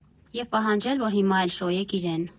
ԵՒ պահանջել, որ հիմա էլ շոյեք իրեն։